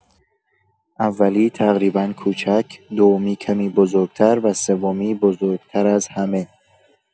اولی تقریبا کوچک، دومی کمی بزرگ‌تر و سومی بزرگ‌تر از همه.